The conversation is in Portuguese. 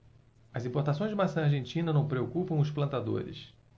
as importações de maçã argentina não preocupam os plantadores